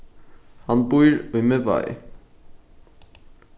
hann býr í miðvági